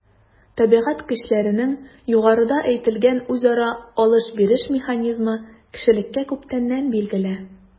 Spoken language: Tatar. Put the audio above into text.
Табигать көчләренең югарыда әйтелгән үзара “алыш-биреш” механизмы кешелеккә күптәннән билгеле.